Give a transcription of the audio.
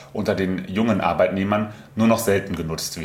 unter den jungen Arbeitnehmern, nur noch selten genutzt wird